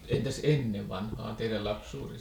entäs ennen vanhaan teidän lapsuudessa